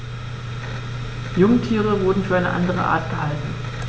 Jungtiere wurden für eine andere Art gehalten.